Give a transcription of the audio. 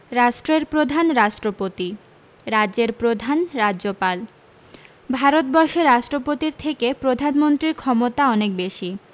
রাষ্ট্রের প্রধান রাষ্ট্রপতি রাজের প্রধান রাজ্যোপাল ভারতবর্ষে রাষ্ট্রপতির থেকে প্রধান মন্ত্রীর ক্ষমতা অনেক বেশী